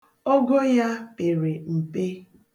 Ogo ya pere mpe.